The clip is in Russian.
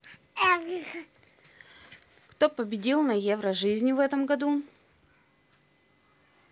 кто победил на евро жизни в этом году